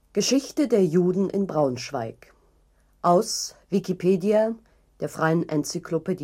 Geschichte der Juden in Braunschweig, aus Wikipedia, der freien Enzyklopädie